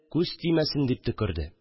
Күз тимәсен дип төкерде